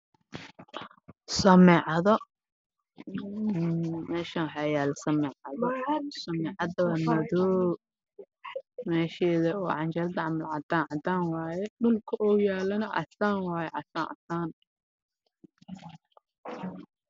Waa samiicad midabkeedu yahay madow oo sadex ah